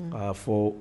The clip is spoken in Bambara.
A fɔ